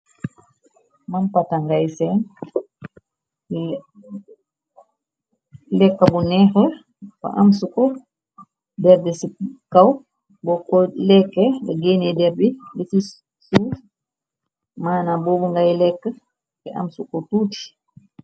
Mën patan ngay seen yi lekka bu nèèx bu am sukurr der bi ci kaw bo ko lekke ga genné der bi li ci suuf maanam bobu ngay lekka ti am sukurr tutti.